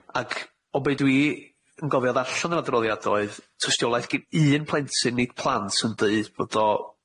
ac o be' dwi yn gofio ddarllan o'r adroddiad oedd tystiolaeth gin un plentyn, nid plant, yn deud bod o